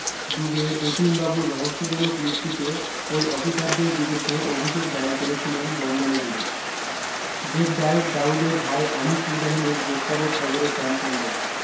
ডুবে যতীনবাবুর রহস্যজনক মৃত্যুতে ওই অফিসারদের বিরুদ্ধে অভি্যোগ দায়ের করেছিলেন বন্দনাদেবী জেড্ডায় দাউদের ভাই আনিস ইব্রাহিমের গ্রেফতারের খবরে চাঞ্চল্য